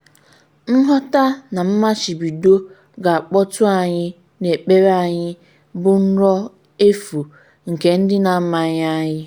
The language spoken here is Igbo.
“Nghọta na mmachibido ga-akputu anyị n’ikpere anyị bụ nrọ efu nke ndị na amaghị anyị.